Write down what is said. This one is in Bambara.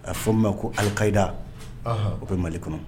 A bɛ fɔ min ma ko alikayida, anhan, o bɛ Mali kɔnɔ